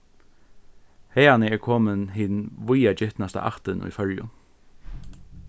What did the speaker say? haðani er komin hin víðagitnasta ættin í føroyum